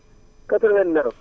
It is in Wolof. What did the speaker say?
89